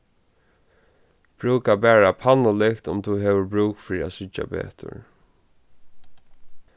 brúka bara pannulykt um tú hevur brúk fyri at síggja betur